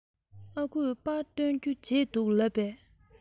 ཨ ཁུས པར བཏོན རྒྱུ བརྗེད འདུག ལབ པས